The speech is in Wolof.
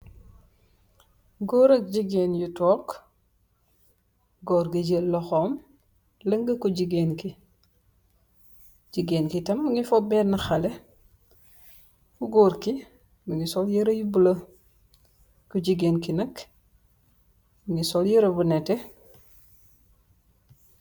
Góorak jigeen yu took góor gi jël loxoom lënga ku gén jigéen kitam ngi fo benn xale ku góor ki lu ngi sol yëra yu bula ku jigéen ki nag lungi sol yëra bu nete